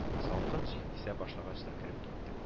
Салкын җил исә башлагач та кереп киттем